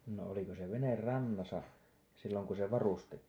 no oliko se vene rannassa silloin kun se varustettiin